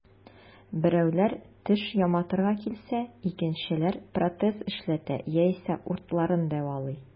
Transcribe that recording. Берәүләр теш яматырга килсә, икенчеләр протез эшләтә яисә уртларын дәвалый.